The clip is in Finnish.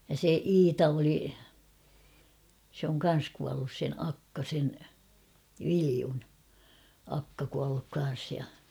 ja se Iita oli se on kanssa kuollut sen akka sen Viljon akka kuollut kanssa ja